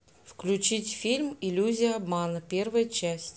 включить фильм иллюзия обмана первая часть